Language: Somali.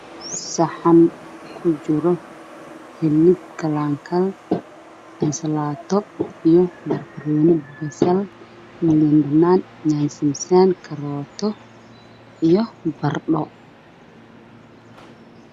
Saxan ku jiro hilib kalaan kal ah